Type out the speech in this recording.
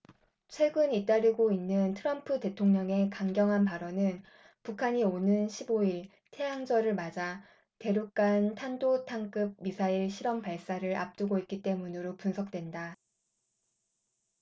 최근 잇따르고 있는 트럼프 대통령의 강경한 발언은 북한이 오는 십 오 일 태양절을 맞아 대륙간탄도탄급 미사일 실험 발사를 앞두고 있기 때문으로 분석된다